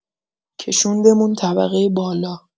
کشوندمون طبقه بالا.